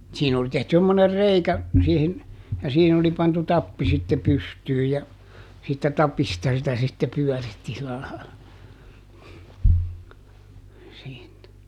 siinä oli tehty semmoinen reikä siihen ja siihen oli pantu tappi sitten pystyyn ja siitä tapista sitä sitten pyöritti sillä lailla siitä